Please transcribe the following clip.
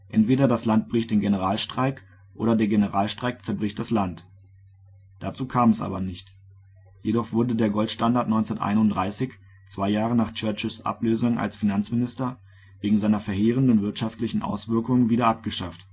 Entweder das Land bricht den Generalstreik, oder der Generalstreik zerbricht das Land. " Dazu kam es aber nicht. Jedoch wurde der Goldstandard 1931, zwei Jahre nach Churchills Ablösung als Finanzminister, wegen seiner verheerenden wirtschaftlichen Auswirkungen wieder abgeschafft